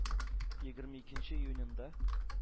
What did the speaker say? Егерме икенче июнендә